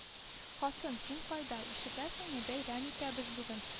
— хатын, син кайда... ишетәсеңме, бәйрәм итәбез бүген